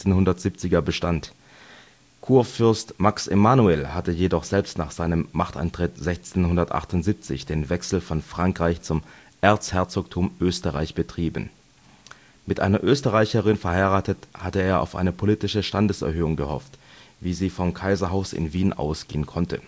1670er bestand. Kurfürst Max Emanuel hatte jedoch selbst nach seinem Machtantritt 1678 den Wechsel von Frankreich zum Erzherzogtum Österreich betrieben. Mit einer Österreicherin verheiratet hatte er auf eine politische Standeserhöhung gehofft, wie sie vom Kaiserhaus in Wien ausgehen konnte